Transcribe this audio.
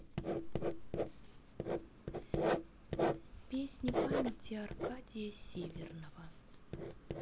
песни памяти аркадия северного